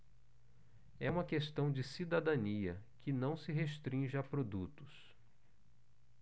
é uma questão de cidadania que não se restringe a produtos